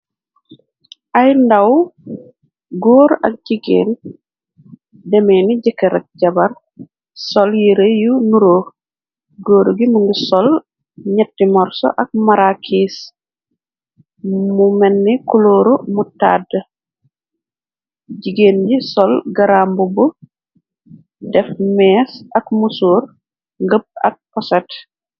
Ay ndaw góor ak jiggéen demeen ni jëkkarak jabar sol yire yu nuro. Góor gi mu ngi sol ñetti morso ak marakiis mu menni kulooru mutàrda. Jigéen yi sol garamb bu def mees ak musuor ngëpp ak poset.